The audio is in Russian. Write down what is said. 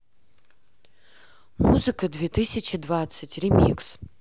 музыка две тысячи двадцать ремикс